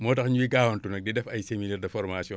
moo tax ñuy gaawantu nag di def ay séminaire de formation